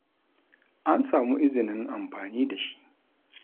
an samu izinin amfani da shi.